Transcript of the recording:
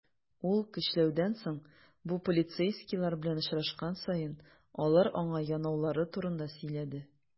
Ул, көчләүдән соң, бу полицейскийлар белән очрашкан саен, алар аңа янаулары турында сөйләде.